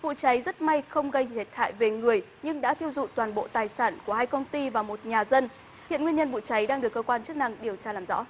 vụ cháy rất may không gây thiệt hại về người nhưng đã thiêu rụi toàn bộ tài sản của hai công ty và một nhà dân hiện nguyên nhân vụ cháy đang được cơ quan chức năng điều tra làm rõ